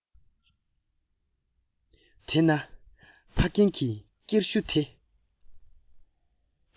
དེ ནས ཕ རྒན གྱིས སྐྱེར གཞུ དེ